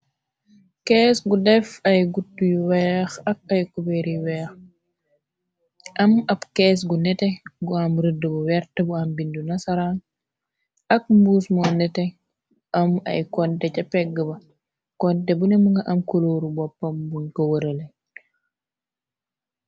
kees gu def ay gut yu weex ak ay kubeer yu weex am ab kees gu nete gu am rëdd bu wert bu am bindu na saraaŋ ak mbuus moo nete am ay konte ca pegg ba konte bu ne mu nga am kulooru boppam bun ko wërale.